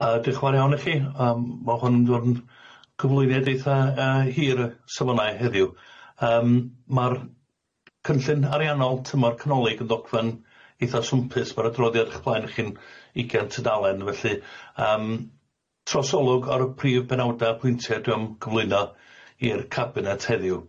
Yyy diolch yn fawr iawn i chi yym ma' hwn yn mynd i fod yn cyflwyniad eitha y- hir safonau heddiw yym ma'r cynllun ariannol tymor canolig yn ddogfen eitha swmpus ma'r adroddiad o'ch blaen i chi'n ugain tudalen felly yym trosolwg ar y prif benawda pwyntia dwi am cyflwyno i'r cabinet heddiw.